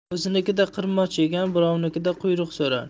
o'zinikida qirmoch yegan birovnikida quyruq so'rar